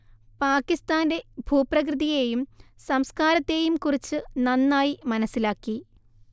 പാകിസ്താന്റെ ഭൂപ്രകൃതിയെയും സംസ്കാരത്തെയും കുറിച്ച് നന്നായി മനസ്സിലാക്കി